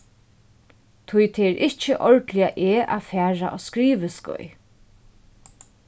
tí tað er ikki ordiliga eg at fara á skriviskeið